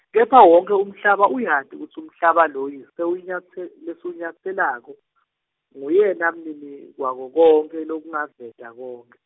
kepha wonkhe umhlaba uyati kutsi umhlaba loyi siwunyatse- lesiwunyatselako , nguyena Mnini, wako konkhe lokungaveta konkhe.